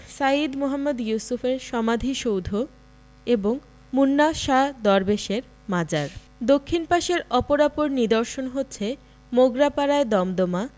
সাইয়্যিদ মুহম্মদ ইউসুফের সমাধিসৌধ এবং মুন্না শাহ দরবেশের মাজার দক্ষিণ পাশের অপরাপর নিদর্শন হচ্ছে মোগরাপাড়ায় দমদমা